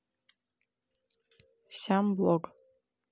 сям блог